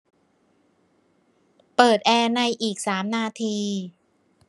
เปิดแอร์ในอีกสามนาที